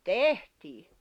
tehtiin